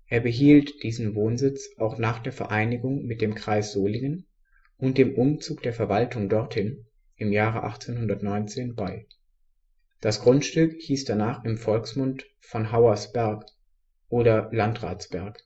behielt diesen Wohnsitz auch nach der Vereinigung mit dem Kreis Solingen und dem Umzug der Verwaltung dorthin im Jahre 1819 bei. Das Grundstück hieß danach im Volksmund von Hauers Berg oder Landratsberg